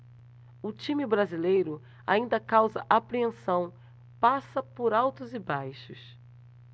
o time brasileiro ainda causa apreensão passa por altos e baixos